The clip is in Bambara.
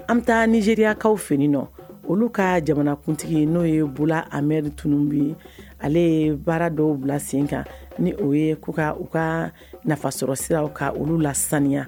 An bɛ taa ni zeiririyakaw fɛ nɔ olu ka jamanakuntigi n'o ye bolo anme tununbi ale ye baara dɔw bila sen kan ni o ye k'u ka u ka nafasɔrɔsira ka olu la saniya